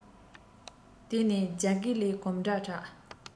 དེ ནས རྒྱ སྐས ལས གོམ སྒྲ གྲགས